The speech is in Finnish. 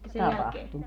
tapahtui